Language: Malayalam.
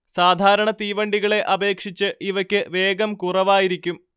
സാധാരണ തീവണ്ടികളെ അപേക്ഷിച്ച് ഇവക്ക് വേഗം കുറവായിരിക്കും